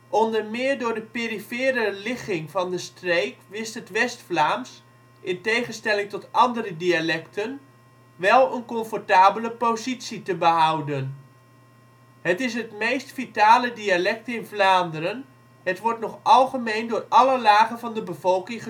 Onder meer door de perifere ligging van de streek wist het West-Vlaams, in tegenstelling tot andere dialecten, wél een comfortabele positie te behouden. Het is het meest vitale dialect in Vlaanderen, het wordt nog algemeen door alle lagen van de bevolking